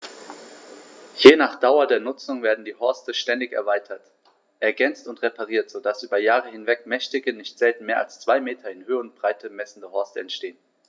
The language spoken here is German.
Je nach Dauer der Nutzung werden die Horste ständig erweitert, ergänzt und repariert, so dass über Jahre hinweg mächtige, nicht selten mehr als zwei Meter in Höhe und Breite messende Horste entstehen.